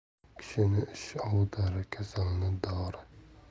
kishini ish ovutar kasalni dori